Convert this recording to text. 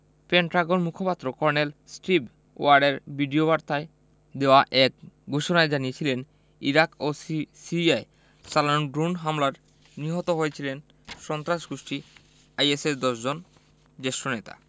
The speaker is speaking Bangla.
পেন্টাগর মুখপাত্র কর্নেল স্টিভ ওয়ারের ভিডিওবার্তায় দেওয়া এক ঘোষণায় জানিয়েছিলেন ইরাক ও সি সিরিয়ায় চালানো ড্রোন হামলার নিহত হয়েছিলেন সন্ত্রাস গোষ্ঠী আইএসের ১০ জন জ্যেষ্ঠ নেতা